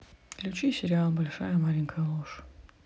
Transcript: включи сериал большая маленькая ложь